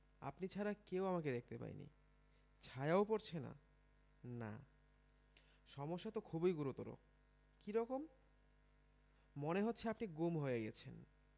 আপনি ছাড়া কেউ আমাকে দেখতে পায়নি ছায়াও পড়ছে না না সমস্যা তো খুবই গুরুতর কী রকম মনে হচ্ছে আপনি গুম হয়ে গেছেন